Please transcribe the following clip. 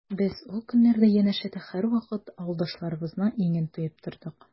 Без ул көннәрдә янәшәдә һәрвакыт авылдашларыбызның иңен тоеп тордык.